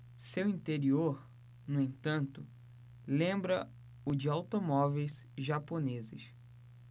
seu interior no entanto lembra o de automóveis japoneses